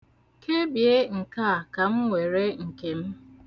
Kebie nke a ka m were nke m.